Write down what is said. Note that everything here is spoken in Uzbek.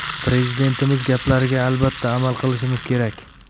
prezidentimiz gaplariga albatta amal qilishimiz kerak